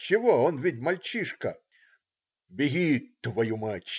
Чего, он ведь мальчишка!" "Беги. твою мать!